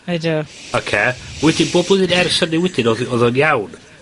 ...ydw. Oce, wedyn bob blwyddyn ers hynny wedyn odd 'i odd o'n iawn.